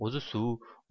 o'zi suv